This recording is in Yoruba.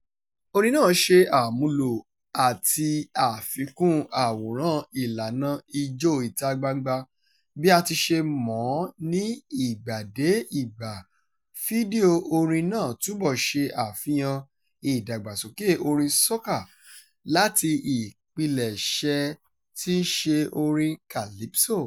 Orin náà ṣe àmúlò àti àfikún àwòrán ìlànà Ijó ìta-gbangba bí a ti ṣe mọ̀ ọ́ ni ìgbà-dé-ìgbà, fídíò orin náà túbọ̀ ṣe àfihàn ìdàgbàsókè orin soca láti ìpilẹ̀ṣẹ̀ tí í ṣe orin calypso.